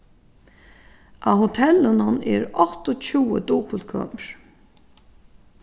á hotellinum eru áttaogtjúgu dupultkømur